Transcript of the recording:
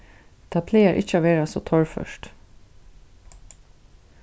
tað plagar ikki at vera so torført